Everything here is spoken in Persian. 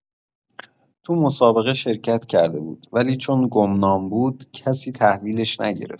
تو مسابقه شرکت کرده بود ولی چون گمنام بود کسی تحویلش نگرفت.